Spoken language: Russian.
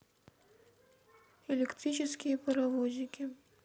электрические паровозики